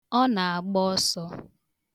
Ọ na-agba ọsọ.